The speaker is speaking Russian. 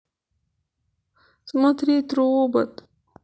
смотреть робот